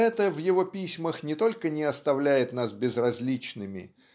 это в его письмах не только не оставляет нас безразличными